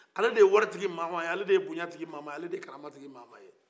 ale de ye waritigi mama ye ale de ye bonyatigi mamaye ale de ye karamatigi mama ye